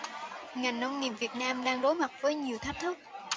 ngành nông nghiệp việt nam đang đối mặt với nhiều thách thức